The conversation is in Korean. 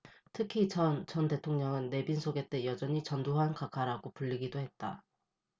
특히 전 전 대통령은 내빈 소개 때 여전히 전두환 각하라고 불리기도 했다